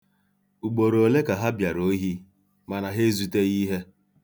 Ugboroole ka ha bịara ohi, mana ha ezuteghị ihe.